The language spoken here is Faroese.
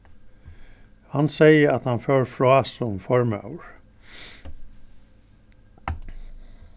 hann segði at hann fór frá sum formaður